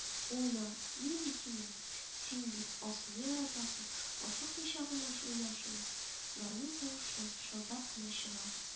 – уйна! – нинди көйне? – син бит алсуны яратасың ашыкмыйча гына ш уйна шуны. гармун тавышы пышылдап кына чыга